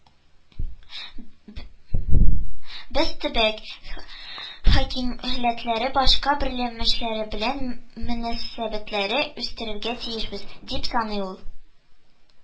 "без – төбәк хакимиятләре башка берләшмәләр белән мөнәсәбәтләрне үстерергә тиешбез", - дип саный ул